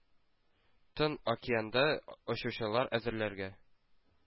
Тын океанда очучылар әзерләргә,